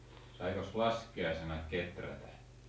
saikos laskiaisena kehrätä